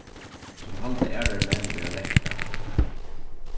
sum halda aðrar menn vera lekkrar